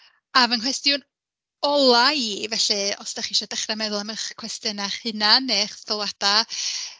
A fy nghwestiwn ola i, felly os dach chi isio dechrau meddwl am eich cwestiynau eich hunain neu eich sylwadau.